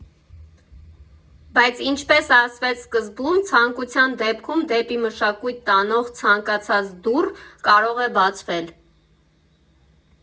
Բայց, ինչպես ասվեց սկզբում, ցանկության դեպքում դեպի մշակույթ տանող ցանկացած դուռ կարող է բացվել։